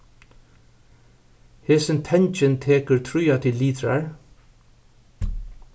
hesin tangin tekur tríati litrar